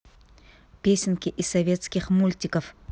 песенки из советских мультиков